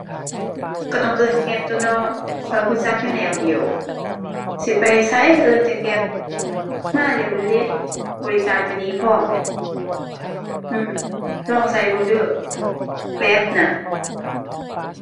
ก็ต้องเอิ้น Grab ตั่วเนาะ ข้อยรู้จักแต่แนวเดียว สิไปไสรู้เอิ้นแต่ Grab มาเร็วอยู่เดะบริการรู้ดีพร้อม อื้อ ลองรู้เบิ่งเด้อ Grab น่ะ